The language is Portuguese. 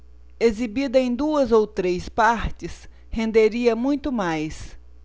exibida em duas ou três partes renderia muito mais